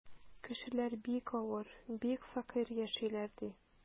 Кешеләр бик авыр, бик фәкыйрь яшиләр, ди.